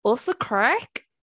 "What's the craic?"